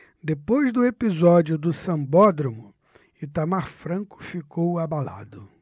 depois do episódio do sambódromo itamar franco ficou abalado